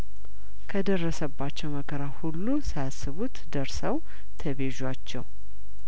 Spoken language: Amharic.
ከደረሰባቸው መከራ ሁሉ ሳያስቡት ደርሰው ተቤዧቸው